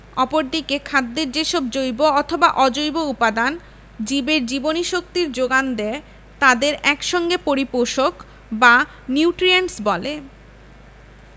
অপরদিকে খাদ্যের যেসব জৈব অথবা অজৈব উপাদান জীবের জীবনীশক্তির যোগান দেয় তাদের এক সঙ্গে পরিপোষক বা নিউট্রিয়েন্টস বলে